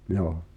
joo